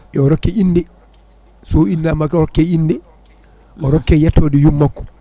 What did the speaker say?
yo rokke inde so innama hokke inde o rokke yettode yummakko